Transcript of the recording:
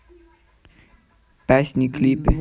песни клипы